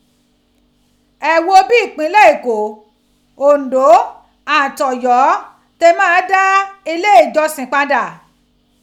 Ẹ gho bí ìpínlẹ̀ Eko, Ondo àti Oyo ti ma a dá ilé ìjọ̀sìn padà